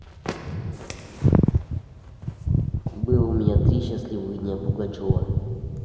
было у меня три счастливых дня пугачева